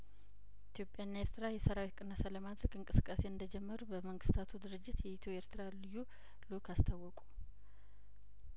ኢትዮጵያና ኤርትራ የሰራዊት ቅነሳ ለማድረግ እንቅስቃሴ እንደጀመሩ በመንግስታቱ ድርጅት የኢትዮ ኤርትራ ልዩ ልኡክ አስታወቁ